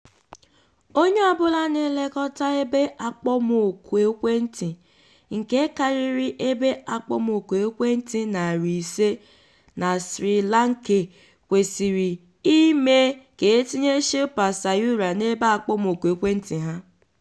Onye ọbụla na-elekọta ebe akpomuoku ekwentị nke karịrị ebe akpomuoku ekwentị 500 na Sri Lanka kwesịrị o mee ka etinye Shilpa Sayura n'ebe akpomuoku ekwentị ha.